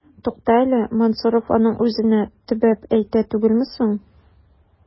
Тукта әле, Мансуров аның үзенә төбәп әйтә түгелме соң? ..